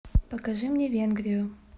покажи мне венгрию